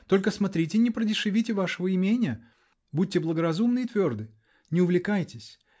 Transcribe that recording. Только смотрите не продешевите вашего имения! Будьте благоразумны и тверды. Не увлекайтесь!